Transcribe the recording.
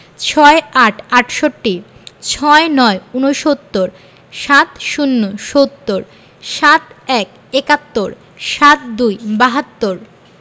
৬৮ – আটষট্টি ৬৯ – ঊনসত্তর ৭০ - সত্তর ৭১ – একাত্তর ৭২ – বাহাত্তর